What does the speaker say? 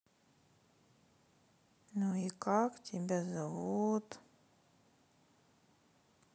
ну и как тебя зовут